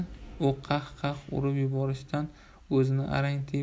u qah qah urib yuborishdan o 'zini arang tiyib